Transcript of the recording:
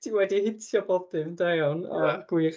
Ti wedi hitio bob dim. Da iawn, o gwych.